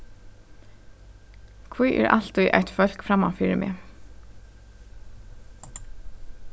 hví er altíð eitt fólk framman fyri meg